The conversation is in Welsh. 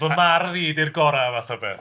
Fy mardd i 'di'r gorau fath o beth.